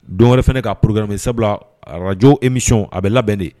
Don wɛrɛ fana k'a porokyme sabula arajo emiy a bɛ labɛn de